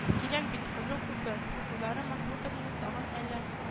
—кирәк бит, кызыл күпер…” уйлары мәхмүтовны тагын әллә